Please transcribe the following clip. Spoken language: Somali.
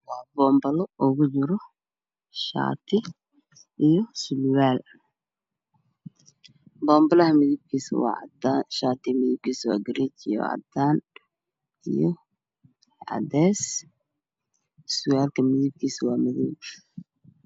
Waa boombalo oo wiil yroo shaati iyo surwaal boombalaha midabkisa waa cadaan shaatiga midabkisa waa gaduud iyo cadaan iyo cadeys surwalka midabkiisa waa madow